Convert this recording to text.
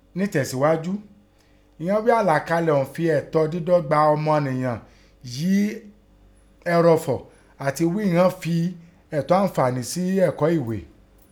Nítẹ̀síghájú, ighọn ghí i àlàkálẹ̀ ọ̀ún fi ẹ̀tọ́ dídọ́gba ọmọ ọ̀nìyàn yí ẹrẹ̀fọ̀ àti ghí i ighọ́n fin ẹ̀tọ́ àǹfààní sí ẹ̀kọ́ ìghé.